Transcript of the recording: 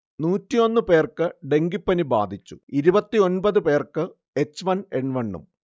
നൂറ്റിയൊന്ന് പേർക്ക് ഡെങ്കിപ്പനി ബാധിച്ചു ഇരുപത്തിയൊന്‍പത് പേർക്ക് എച്ച് വൺ എൻവണും